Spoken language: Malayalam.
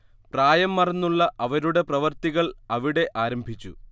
പ്രായം മറന്നുള്ള അവരുടെ പ്രവർത്തികൾ അവിടെ ആരംഭിച്ചു